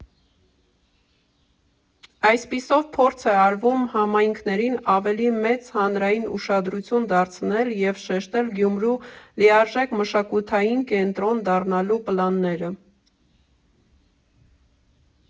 Այսպիսով փորձ է արվում համայնքներին ավելի մեծ հանրային ուշադրություն դարձնել և շեշտել Գյումրու՝ լիարժեք մշակութային կենտրոն դառնալու պլանները։